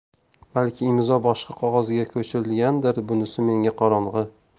balki imzo boshqa qog'ozga ko'chirilgandir bunisi menga qorong'i